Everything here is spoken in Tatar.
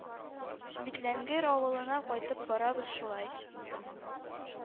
Битләнгер авылына кайтып барабыз шулай,